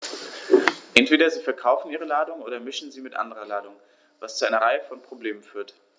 Entweder sie verkaufen ihre Ladung oder mischen sie mit anderer Ladung, was zu einer Reihe von Problemen führt.